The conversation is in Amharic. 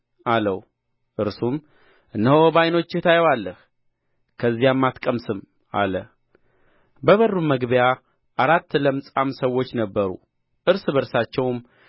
አለው እርሱም እነሆ በዓይኖችህ ታየዋለህ ከዚያም አትቀምስም አለ ፕ በበሩም መግቢያ አራት ለምጻም ሰዎች ነበሩ እርስ በርሳቸውም